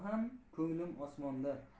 ham ko'nglim osmonda